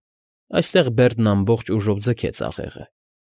Այստեղ Բերդն ամբողջ ուժով ձգեց աղեղը։